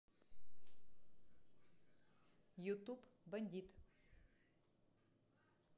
ютуб бандит